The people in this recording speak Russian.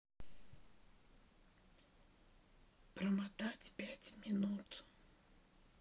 промотать пять минут